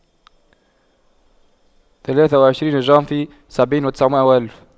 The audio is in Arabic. ثلاثة وعشرين جانتي سبعين وتسعمائة وألف